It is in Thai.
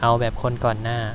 เอาแบบคนก่อนหน้า